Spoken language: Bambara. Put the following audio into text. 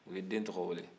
u ye den tɔgɔ weele